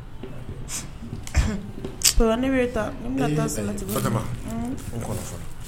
Ne